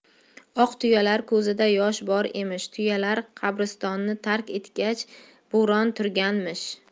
oq tuyalar ko'zida yosh bor emish tuyalar qabristonni tark etgach bo'ron turganmish